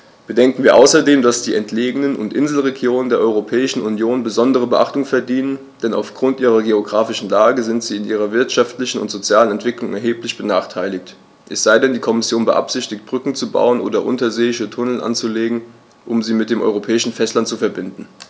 Bedenken wir außerdem, dass die entlegenen und Inselregionen der Europäischen Union besondere Beachtung verdienen, denn auf Grund ihrer geographischen Lage sind sie in ihrer wirtschaftlichen und sozialen Entwicklung erheblich benachteiligt - es sei denn, die Kommission beabsichtigt, Brücken zu bauen oder unterseeische Tunnel anzulegen, um sie mit dem europäischen Festland zu verbinden.